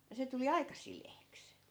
ja se tuli aika sileäksi